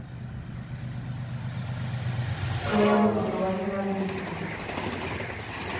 поговори поговори на английском